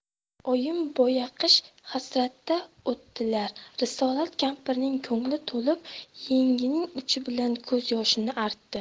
oyim boyaqish hasratda o'tdilar risolat kampirning ko'ngli to'lib yengining uchi bilan ko'zyoshini artdi